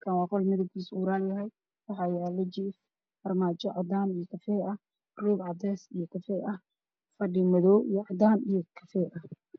Halkaan waa qol midabkiisu muuraal yahay waxaa yaalo jiif, armaajo cadaan iyo kafay ah ,roog cadeys iyo kafay ah, fadhi madow, cadaan iyo kafay ah.